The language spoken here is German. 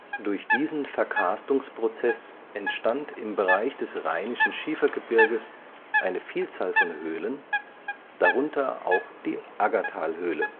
Durch diesen Verkarstungsprozess entstand im Bereich des Rheinischen Schiefergebirges eine Vielzahl von Höhlen, darunter auch die Aggertalhöhle